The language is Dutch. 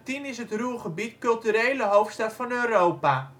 In 2010 is het Ruhrgebied Culturele hoofdstad van Europa